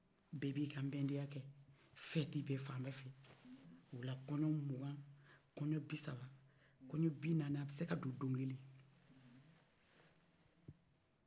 bɛb'i ka bɛn ja ka fɛti bɛ fanbɛ fɛ o la kɔɲɔn mugɔ kɔɲɔn bisaba kɔɲɔn binani a bɛ seka do don kelen